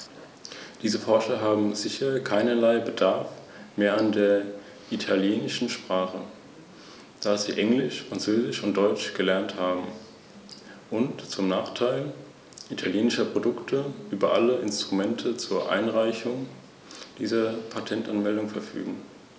Der Geltungsbereich der Verordnung umfasst Touren ab 250 Kilometern, Busreisende haben nun ein Recht auf Schadensersatz bei Annullierung von Reisen, Überbuchung oder bei Verspätung von mehr als zwei Stunden.